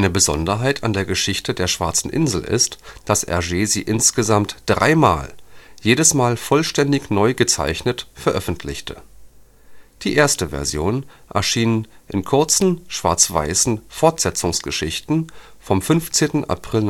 Besonderheit an der Geschichte der „ Schwarzen Insel “ist, dass Hergé sie insgesamt dreimal – jedesmal vollständig neu gezeichnet – veröffentlichte. Die erste Version erschien in kurzen schwarz-weißen Fortsetzungsgeschichten vom 15. April